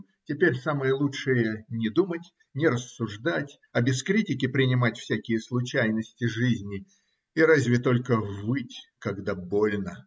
теперь самое лучшее не думать, не рассуждать, а без критики принимать всякие случайности жизни и разве только выть, когда больно.